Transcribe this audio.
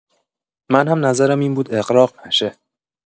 من هم نظرم این بود اغراق نشه.